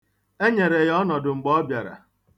E nyere ya ọnọdụ mgbe ọ bịara.